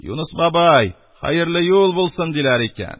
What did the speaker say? — юныс бабай, хәерле юл булсын! — диләр икән.